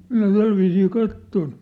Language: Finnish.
minä tällä viisiin katsoin